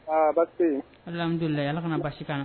Aa basi an don la ala kana basi kan